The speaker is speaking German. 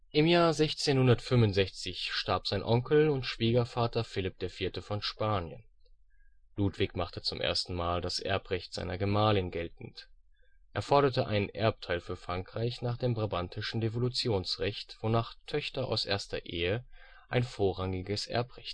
Im Jahr 1665 starb sein Onkel und Schwiegervater Philipp IV. von Spanien. Ludwig machte zum ersten Mal das Erbrecht seiner Gemahlin geltend. Er forderte einen Erbteil für Frankreich nach dem brabantischen Devolutionsrecht, wonach Töchter aus erster Ehe ein vorrangiges Erbrecht